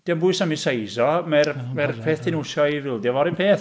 'Di o'm bwys am ei size o. Mae'r... Mae'r peth ti'n iwsio i'w fildio fo'r un peth.